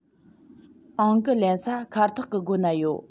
ཨང ཀི ལེན ས ཁེར ཐོག གི སྒོ ཁ ན ཡོད